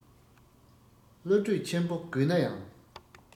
བློ གྲོས ཆེན པོ རྒུད ན ཡང